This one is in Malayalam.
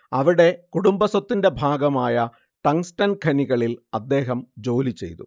അവിടെ കുടുംബസ്വത്തിന്റെ ഭാഗമായ ടങ്ങ്സ്ടൻ ഖനികളിൽ അദ്ദേഹം ജോലിചെയ്തു